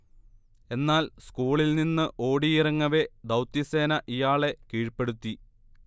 എന്നാൽ, സ്കൂളിൽനിന്ന് ഓടിയിറങ്ങവെ, ദൗത്യസേന ഇയാളെ കീഴ്പ്പെടുത്തി